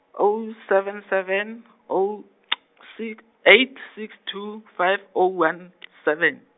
oh seven seven, oh si-, eight six two five oh one , seven.